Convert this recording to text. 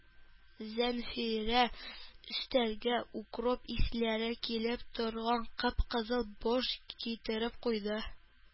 Зәнфирә өстәлгә укроп исләре килеп торган кып-кызыл борщ китереп куйды.